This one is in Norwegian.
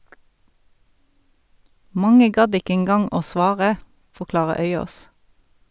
Mange gadd ikke engang å svare , forklarer Øyaas.